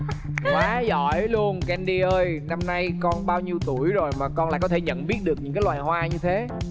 quá giỏi luôn ken đi ơi năm nay con bao nhiêu tuổi rồi mà con lại có thể nhận biết được những cái loài hoa như thế